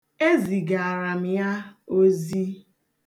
Ezigaara m ya ozi.